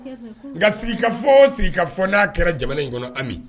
Nka sigika fɔ sigi ka fɔ n'a kɛra jamana in kɔnɔ ami